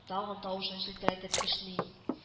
Тагын тавышын челтерәтеп кешни